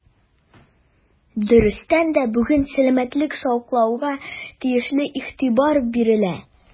Дөрестән дә, бүген сәламәтлек саклауга тиешле игътибар бирелә.